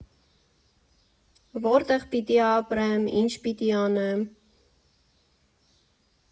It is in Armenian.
Որտե՞ղ պիտի ապրեմ, ի՞նչ պիտի անեմ։